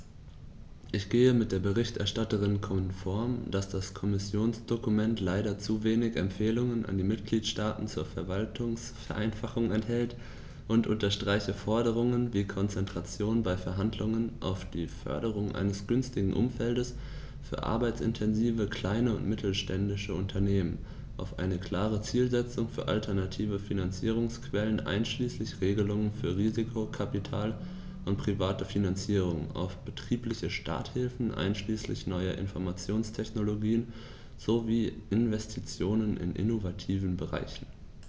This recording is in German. Ich gehe mit der Berichterstatterin konform, dass das Kommissionsdokument leider zu wenig Empfehlungen an die Mitgliedstaaten zur Verwaltungsvereinfachung enthält, und unterstreiche Forderungen wie Konzentration bei Verhandlungen auf die Förderung eines günstigen Umfeldes für arbeitsintensive kleine und mittelständische Unternehmen, auf eine klare Zielsetzung für alternative Finanzierungsquellen einschließlich Regelungen für Risikokapital und private Finanzierung, auf betriebliche Starthilfen einschließlich neuer Informationstechnologien sowie Investitionen in innovativen Bereichen.